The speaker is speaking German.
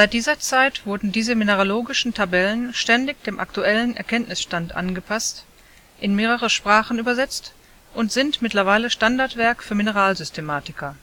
dieser Zeit wurden diese „ Mineralogischen Tabellen “ständig dem aktuellen Erkenntnisstand angepasst, in mehrere Sprachen übersetzt und sind mittlerweile Standardwerk für Mineralsystematiker. Er